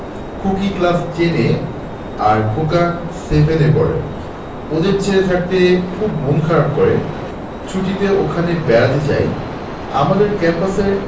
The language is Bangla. খুকি ক্লাস টেন এ আর খোকা সেভেন এ পড়ে ওদের ছেড়ে থাকতে খুব মন খারাপ করে ছুটিতে ওখানে বেড়াতে যাই আমাদের ক্যাম্পাসের